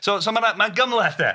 So so ma' 'na... mae'n gymhleth de.